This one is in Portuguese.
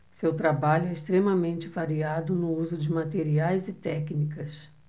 seu trabalho é extremamente variado no uso de materiais e técnicas